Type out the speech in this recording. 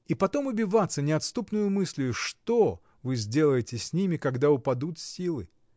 И потом убиваться неотступною мыслью, что вы сделаете с ними, когда упадут силы?.